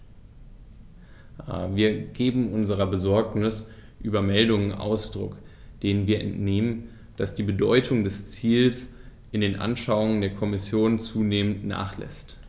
Wir geben unserer Besorgnis über Meldungen Ausdruck, denen wir entnehmen, dass die Bedeutung dieses Ziels in den Anschauungen der Kommission zunehmend nachlässt.